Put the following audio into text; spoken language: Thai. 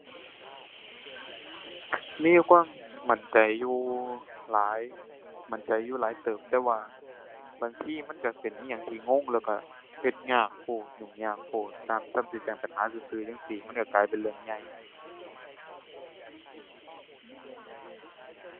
มีความมั่นใจอยู่หลาย มั่นใจอยู่หลายเติบ แต่ว่าบางทีมันก็เป็นอิหยังที่งง แล้วก็เฮ็ดยากโพด ยุ่งยากโพด ตามส่ำสิแจ้งปัญหาซื่อซื่อจั่งซี้ มันก็กลายเป็นเรื่องใหญ่